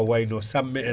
ko wayno samme en